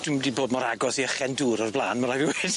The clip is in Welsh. Dwi'm 'di bod mor agos i ychen dŵr o'r bla'n ma' rai' fi weud.